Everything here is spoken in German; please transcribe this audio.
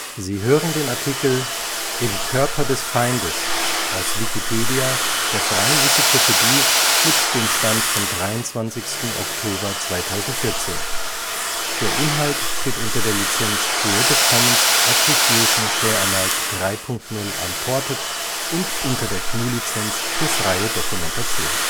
Sie hören den Artikel Im Körper des Feindes, aus Wikipedia, der freien Enzyklopädie. Mit dem Stand vom Der Inhalt steht unter der Lizenz Creative Commons Attribution Share Alike 3 Punkt 0 Unported und unter der GNU Lizenz für freie Dokumentation